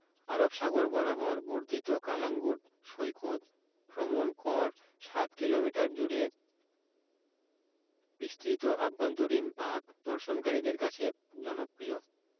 আরব সাগর বরাবর বর্ধিত কালাঙ্গুট সৈকত ভ্রমণ কর সাত কিলোমিটার জুড়ে বিস্তৃত আভ্যন্তরীণ বাঁক দর্শনকারীদের কাছে জনপ্রিয়